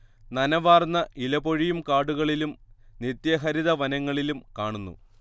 നനവാർന്ന ഇലപൊഴിയും കാടുകളിലും നിത്യഹരിതവനങ്ങളിലും കാണുന്നു